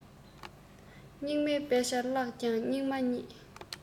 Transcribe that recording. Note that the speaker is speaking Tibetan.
སྙིགས མའི དཔེ ཆ བཀླགས ཀྱང སྙིགས མ ཉིད